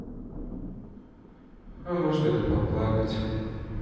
а можно ли поплакать